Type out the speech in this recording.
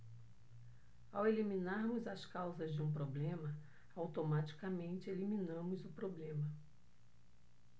ao eliminarmos as causas de um problema automaticamente eliminamos o problema